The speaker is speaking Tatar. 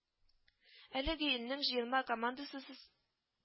Әлеге илнең җыелма командасысы